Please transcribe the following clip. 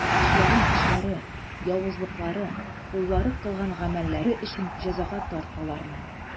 Эшләгән эшләре, явызлыклары, куллары кылган гамәлләре өчен җәзага тарт аларны.